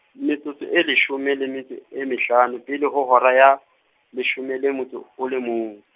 metsotso e leshome le metso e mehlano, pele ho hora ya, leshome le motso o le mong.